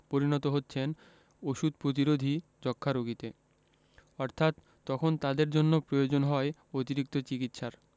পরিণত হচ্ছেন ওষুধ প্রতিরোধী যক্ষ্মা রোগীতে অর্থাৎ তখন তাদের জন্য প্রয়োজন হয় অতিরিক্ত চিকিৎসার